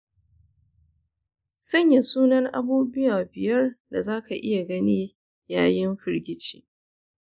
sanya sunan abubuwa biyar da zaka iya gani yayin firgici